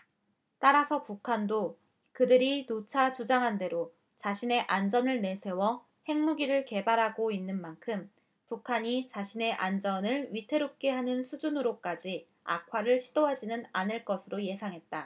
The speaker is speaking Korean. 따라서 북한도 그들이 누차 주장한대로 자신의 안전을 내세워 핵무기를 개발하고 있는 만큼 북한이 자신의 안전을 위태롭게 하는 수준으로까지 악화를 시도하지는 않을 것으로 예상했다